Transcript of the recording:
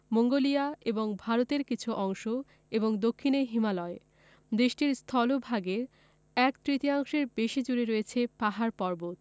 Mongolia এবং ভারতের কিছু অংশ এবং দক্ষিনে হিমালয় দেশটির স্থলভাগে এক তৃতীয়াংশের বেশি জুড়ে রয়েছে পাহাড় পর্বত